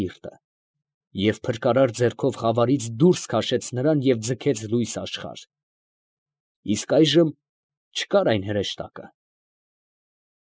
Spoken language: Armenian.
Սիրտը, և փրկարար ձեռքով խավարից դուրս քաշեց նրան և ձգեց լույս աշխարհ… Իսկ այժմ չկար այն հրեշտակը…։